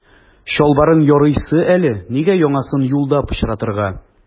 Чалбарың ярыйсы әле, нигә яңасын юлда пычратырга.